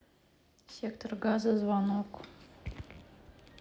сектор газа звонок